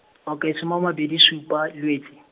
okay soma a mabedi supa Lwetse.